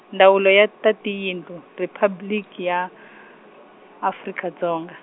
Ndzawulo ya ta Tiyindlu Riphabliki ya , Afrika Dzonga.